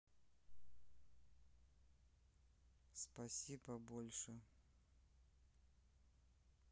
спаси побольше